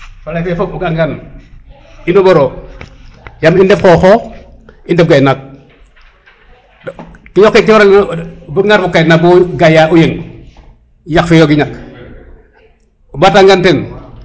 faley fe fop o ga a ngan ino ɓoro yam in ndef xo xox in ndef gay naak yoqe ke wara luna o buga nga refo kay naak bo gaya o jeng o ɓata ngan ten